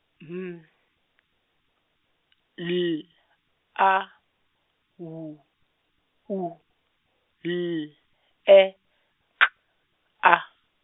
M L A W U L E K A.